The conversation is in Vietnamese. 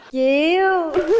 chịu